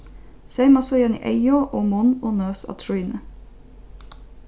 seyma síðan eygu og munn og nøs á trýnið